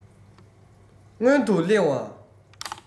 སྔོན དུ གླེང བ